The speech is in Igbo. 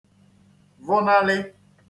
vụnalị